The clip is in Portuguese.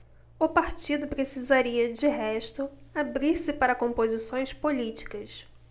o partido precisaria de resto abrir-se para composições políticas